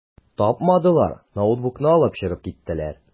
Тапмадылар, ноутбукны алып чыгып киттеләр.